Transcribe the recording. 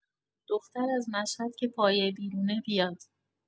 دختر از مشهد که پایه بیرونه بیاد